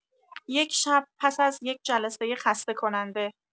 یک شب پس از یک جلسه خسته‌کننده